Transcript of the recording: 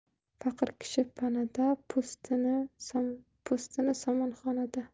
faqir kishi panada po'stini somonxonada